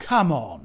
Come on!